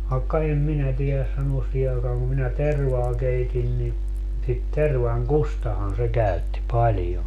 vaikka en minä tiedä sanoa siihen aikaan kun minä tervaa keitin niin sitä tervankustahan se käytti paljon